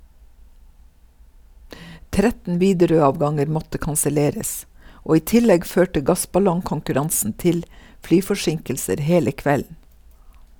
13 Widerøe-avganger måtte kanselleres, og i tillegg førte gassballongkonkurransen til flyforsinkelser hele kvelden.